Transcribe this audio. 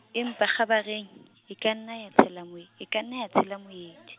empa kgabareng , e ka nna ya tshela moe-, e ka nna ya tshela moedi.